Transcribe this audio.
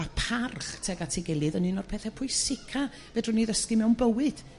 a parch tuag at 'i gilydd yn un o'r pethe pwysica' fedrwn ni ddysgu mewn bywyd.